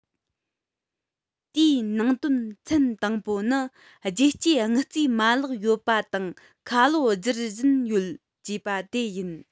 དེའི ནང དོན ཚན དང པོ ནི རྒྱལ སྤྱིའི དངུལ རྩའི མ ལག ཡོད པ དང ཁ ལོ སྒྱུར བཞིན ཡོད ཅེས པ དེ ཡིན